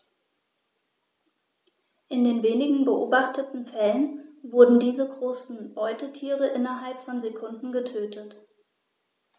In den wenigen beobachteten Fällen wurden diese großen Beutetiere innerhalb von Sekunden getötet.